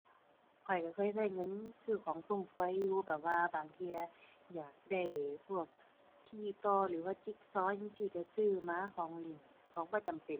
ข้อยก็เคยก็เงินซื้อของฟุ่มเฟือยอยู่ แบบว่าบางเที่ยอยากได้พวกที่ต่อหรือว่าจิกซอว์จั่งซี้ก็ซื้อมา ของเล่น ของบ่จำเป็น